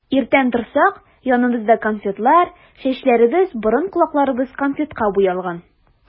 Иртән торсак, яныбызда конфетлар, чәчләребез, борын-колакларыбыз конфетка буялган.